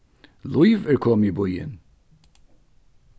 lív er komið í býin